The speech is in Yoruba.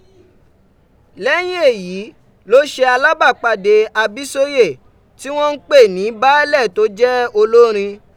Lẹ́yìn èyí ló ṣe alábàpádé Abísóyè tí wọ́n ń pè ni Baálè tó jẹ́ olórín.